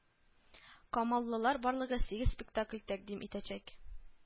Камаллылар барлыгы сигез спектакль тәкъдим итәчәк